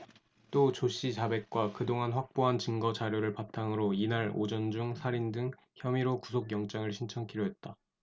또 조씨 자백과 그동안 확보한 증거 자료를 바탕으로 이날 오전 중 살인 등 혐의로 구속영장을 신청키로 했다